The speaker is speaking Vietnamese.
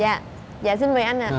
dạ dạ xin mời anh ạ